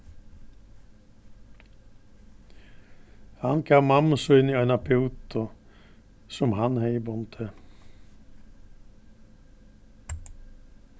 hann gav mammu síni eina pútu sum hann hevði bundið